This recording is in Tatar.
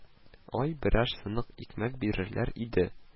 Ай, берәр сынык икмәк бирсәләр иде